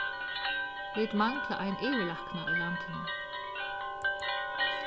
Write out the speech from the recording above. vit mangla ein yvirlækna í landinum